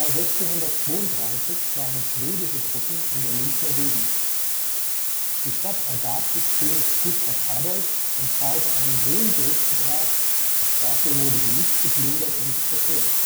1632 waren schwedische Truppen in der Münchner Gegend. Die Stadt ergab sich König Gustav Adolf und zahlte einen hohen Geldbetrag, dafür wurde sie nicht geplündert und zerstört